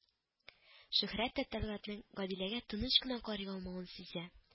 Шөһрәт тә Тәлгатнең Гадиләгә тыныч кына карый алмавын сизә